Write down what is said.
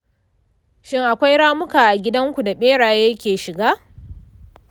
shin akwai ramuka a gidanku da beraye ke shiga?